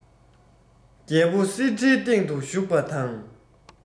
རྒྱལ པོ གསེར ཁྲིའི སྟེང དུ བཞུགས པ དང